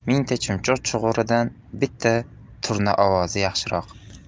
mingta chumchuq chug'uridan bitta turna ovozi yaxshiroq